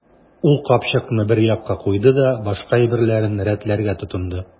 Ул капчыкны бер якка куйды да башка әйберләрен рәтләргә тотынды.